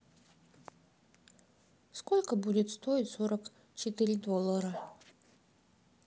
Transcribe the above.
сколько будет стоить сорок четыре доллара